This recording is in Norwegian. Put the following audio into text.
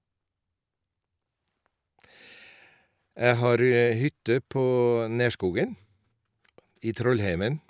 Jeg har hytte på Nerskogen i Trollheimen.